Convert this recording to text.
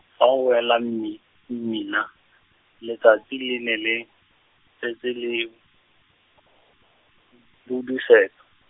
fa a wela mmi- mmila, letsatsi le ne le, setse le, budusetsa.